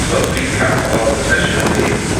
t'mod recap o dy sesiwn di?